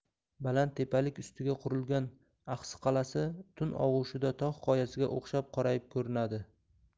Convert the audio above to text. baland tepalik ustiga qurilgan axsi qalasi tun og'ushida tog' qoyasiga o'xshab qorayib ko'rinadi